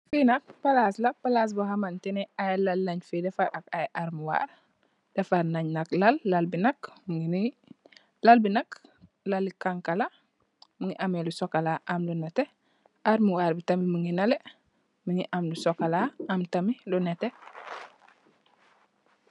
Li nak please la please bo xamne ay Laal lanu féé defaré ak ay defé kai yaré defar nagie AP Laal Laal bi nak lali xangxu la mungi ame lu socola am lu nete defé kai bi nak mungi nale am lu socola am tamit lu nete